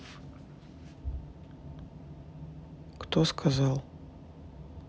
кто сказал